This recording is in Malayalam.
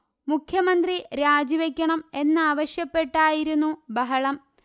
മുഖ്യമന്ത്രി രാജിവയ്ക്കണം എന്നാവശ്യപ്പെട്ടായിരുന്നു ബഹളം